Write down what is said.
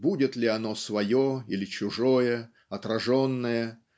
будет ли оно свое или чужое отраженное